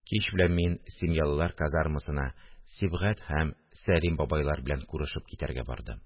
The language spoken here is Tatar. Кич белән мин семьялылар казармасына Сибгать һәм Сәлим бабайлар белән күрешеп китәргә бардым